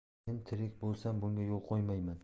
men tirik bo'lsam bunga yo'l qo'ymaymen